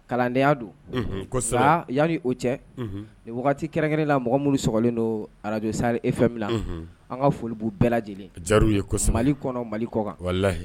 Kalandenya don unhun kosɛbɛ nkaa yani o cɛ unhun nin wagati kɛrɛnkɛla mɔgɔ minnu sɔgɔlen don Radio Sahel FM na unhun an ka foli b'u bɛɛ lajɛlen ye a diyar'u ye kosɛbɛ Mali kɔnɔ Mali kɔkan walahi